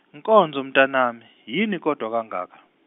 Nkonzo mntanami yini kodwa kangaka.